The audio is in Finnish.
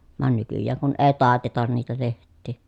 vaan nykyään kun ei taiteta niitä lehtiä